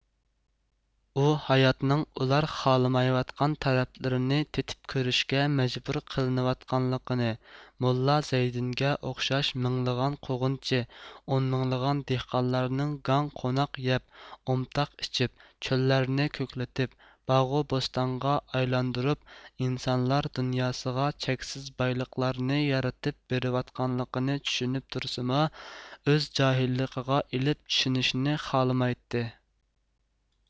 ئۇ ھاياتنىڭ ئۇلار خالىمايۋاتقان تەرەپلىرىنى تېتىپ كۆرۈشكە مەجبۇر قىلىنىۋاتقانلىقىنى موللازەيدىنگە ئوخشاش مىڭلىغان قوغۇنچى ئون مىڭلىغان دېھقانلارنىڭ گاڭ قوناق يەپ ئومتاق ئىچىپ چۆللەرنى كۆكلىتىپ باغۇ بوستانغا ئايلاندۇرۇپ ئىنسانلار دۇنياسىغا چەكسىز بايلىقلارنى يارىتىپ بېرىۋاتقانلىقىنى چۈشىنىپ تۇرسىمۇ ئۆز جاھىللىقىغا ئېلىپ چۈشىنىشنى خالىمايتتى